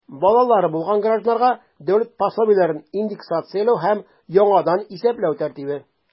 Балалары булган гражданнарга дәүләт пособиеләрен индексацияләү һәм яңадан исәпләү тәртибе.